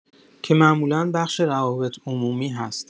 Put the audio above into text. که معمولا بخش روابط‌عمومی هست